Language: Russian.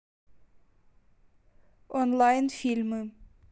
онлайн фильмы